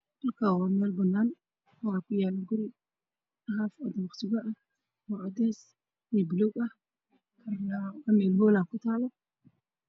Halkan waa mel banan waxa kuyalo guri haf ah oo dabaq sug ah oo cades io baluug ah korna waa hool